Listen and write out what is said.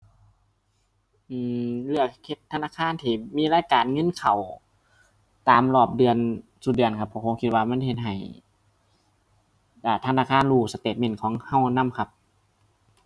อือ เลือกเฮ็ดธนาคารที่มีรายการเงินเข้าตามรอบเดือนซุเดือนครับ เพราะผมคิดว่ามันเฮ็ดให้ อ่า ธนาคารรู้สเตตเมนต์ของเรานำครับ